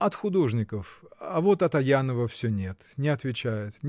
— От художников; а вот от Аянова всё нет: не отвечает.